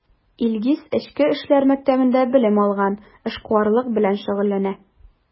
Илгиз Эчке эшләр мәктәбендә белем алган, эшкуарлык белән шөгыльләнә.